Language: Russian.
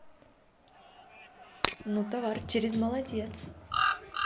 ну товарчерез молодец